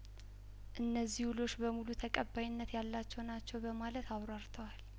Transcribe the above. እነዚህ ውሎች በሙሉ ተቀባይነት ያላቸው ናቸው በማለት አብራርተዋል